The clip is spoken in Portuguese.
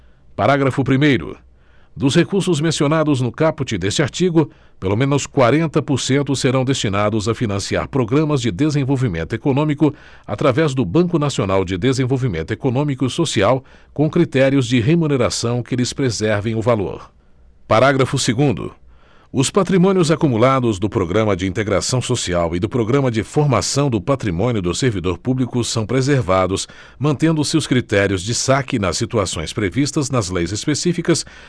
parágrafo primeiro dos recursos mencionados no caput deste artigo pelo menos quarenta por cento serão destinados a financiar programas de desenvolvimento econômico através do banco nacional de desenvolvimento econômico e social com critérios de remuneração que lhes preservem o valor parágrafo segundo os patrimônios acumulados do programa de integração social e do programa de formação do patrimônio do servidor público são preservados mantendo se os critérios de saque nas situações previstas nas leis específicas